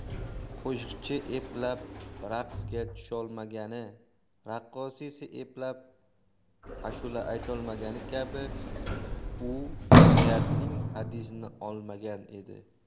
qo'shiqchi eplab raqsga tusholmagani raqqosa esa eplab ashula aytolmagani kabi u jinoyatning hadisini olmagan edi